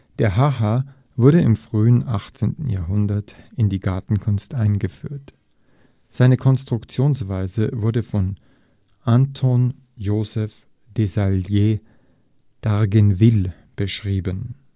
Der Ha-Ha wurde im frühen 18. Jahrhundert in die Gartenkunst eingeführt, seine Konstruktionsweise wurde von Antoine-Joseph Dézallier d’ Argenville beschrieben